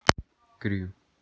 crew